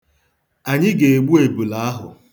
Anyị ga-egbu ebule ahụ.